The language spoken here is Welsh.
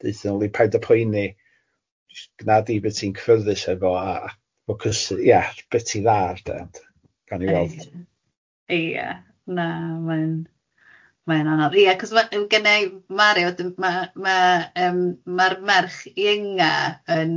...deuthon nhw yli paid â poeni, jyst gwna di be ti'n cyfyrddus hefo a a focysu ie be ti'n dda de ond gawn ni weld... Ia na mae'n mae'n anodd ia achos ma' gynna i Mari a wedyn ma' ma' yym ma'r merch ienga yn